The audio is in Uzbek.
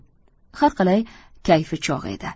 har qalay kayfi chog' edi